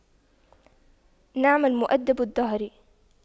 نعم المؤَدِّبُ الدهر